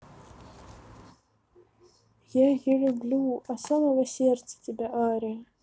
я ее люблю а самого сердца тебя ария